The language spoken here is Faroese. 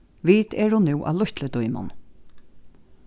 vit eru nú á lítlu dímun